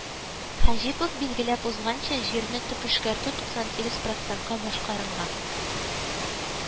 Хәҗипов билгеләп узганча, җирне төп эшкәртү туксан сигез процентка башкарылган